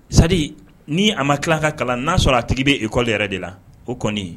C'est à dire ni a ma tila ka kalan n'a sɔrɔ a tigi bɛ école yɛrɛ de la o kɔni